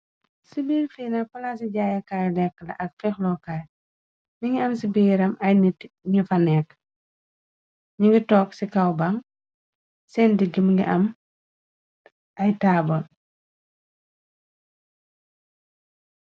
Ci biir fiina pala ci jaayékaayu lekq la ak fex lokaay mi ngi am ci biiram ay nit ñu fa nekk ñu ngi tokg ci kawbaŋ seen digg mi ngi am ay taabol.